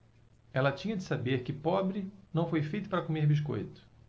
ela tinha de saber que pobre não foi feito para comer biscoito